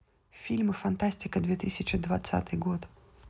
фильмы фантастика две тысячи двадцатый год